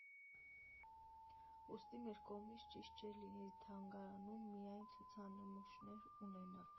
Ուստի, մեր կողմից ճիշտ չէր լինի թանգարանում միայն ցուցանմուշներ ունենալ.